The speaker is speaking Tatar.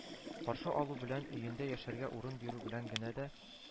Каршы алу белән, өендә яшәргә урын бирү белән генә дә